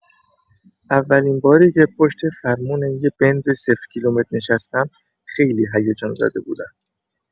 اولین باری که پشت فرمون یه بنز صفرکیلومتر نشستم، خیلی هیجان‌زده بودم.